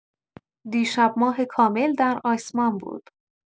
دیشب ماه کامل در آسمان بود.